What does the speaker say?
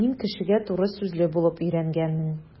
Мин кешегә туры сүзле булып өйрәнгәнмен.